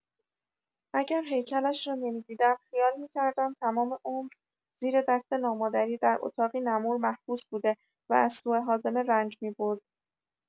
اگر هیکلش را نمی‌دیدم خیال می‌کردم تمام عمر زیر دست نامادری در اتاقی نمور محبوس بوده و از سوءهاضمه رنج می‌برد.